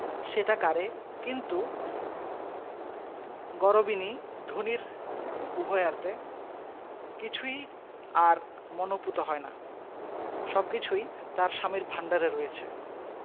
সেটা কাড়ে কিন্তু গরবিনী ধনীর উভয়ার্থে কিছুই আর মনঃপূত হয় না সবকিছুই তার স্বামীর ভাণ্ডারে রয়েছে